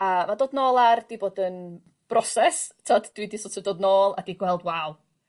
...a ma' dod nôl ar 'di bod yn broses t'od dwi 'di so't of dod nôl a 'di gweld waw!